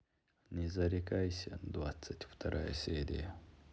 не зарекайся двадцать вторая серия